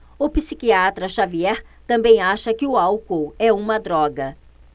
o psiquiatra dartiu xavier também acha que o álcool é uma droga